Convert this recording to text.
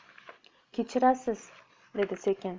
kechirasiz dedi sekin